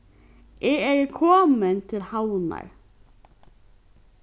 eg eri komin til havnar